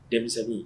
Denmisɛnnin